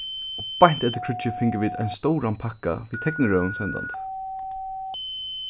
og beint eftir kríggið fingu vit ein stóran pakka við teknirøðum sendandi